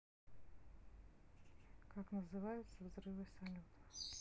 как называются взрывы салютов